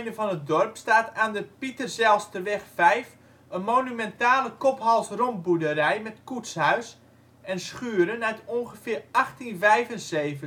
van het dorp staat aan de Pieterzijlsterweg 5 een monumentale kop-hals-rompboerderij met koetshuis en schuren uit ongeveer 1875